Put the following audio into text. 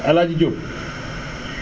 El Hadj Diop